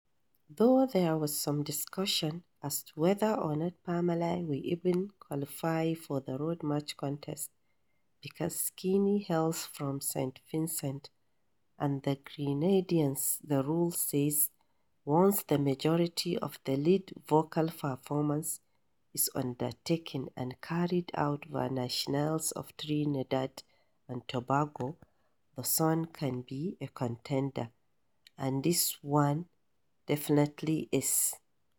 Though there was some discussion as to whether or not "Famalay" would even qualify for the Road March contest because Skinny hails from St. Vincent and the Grenadines, the rules say that once "the majority of the lead vocal performance" is "undertaken and carried out by nationals of Trinidad and Tobago", the song can be a contender — and this one definitely is.